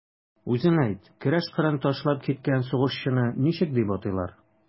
Үзең әйт, көрәш кырын ташлап киткән сугышчыны ничек дип атыйлар?